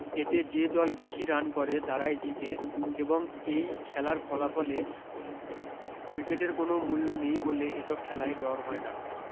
এতে যে দল বেশী রান করে তারাই জিতে এবং এই খেলার ফলাফলে উইকেটের কোন মূল্য নেই বলে এসব খেলায় ডর হয় না